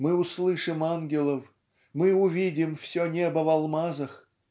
Мы услышим ангелов, мы увидим все небо в алмазах.